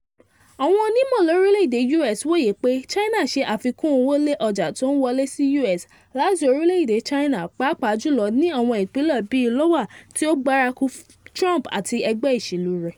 Àwọn onímọ̀ lórílèedè U.S. wòye pé China ṣe àfikún owó lè ọjà tó ń wọlé sí U.S. láti orílẹ̀èdè China pàápàá jùlọ ní àwọn ìpínlẹ̀ bíi Iowa tí ó gbárùkù Trump àti ẹgbẹ́ ìṣèlú rẹ̀.